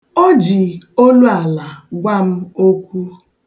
O ji oluala gwa m okwu.